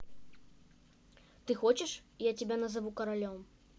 ты хочешь я тебя назову королем